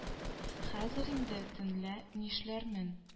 Хәзер инде төнлә нишләрмен